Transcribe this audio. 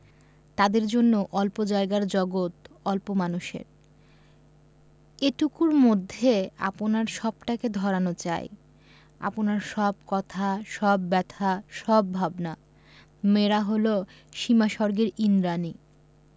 তাদের জন্য অল্প জায়গার জগত অল্প মানুষের এটুকুর মধ্যে আপনার সবটাকে ধরানো চাই আপনার সব কথা সব ব্যাথা সব ভাবনা মেয়েরা হল সীমাস্বর্গের ঈন্দ্রাণী